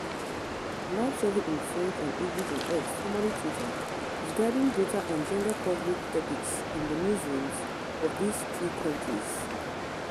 The live survey in French and English on X (formerly Twitter) is gathering data on gender coverage topics in the newsrooms of these three countries.